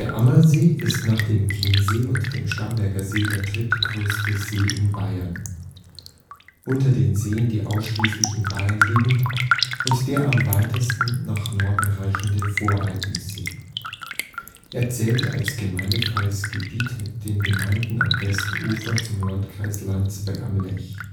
Ammersee ist nach dem Chiemsee und dem Starnberger See der drittgrößte See in Bayern (unter den Seen, die ausschließlich in Bayern liegen) und der am weitesten nach Norden reichende Voralpensee. Er zählt als gemeindefreies Gebiet mit den Gemeinden am Westufer zum Landkreis Landsberg am Lech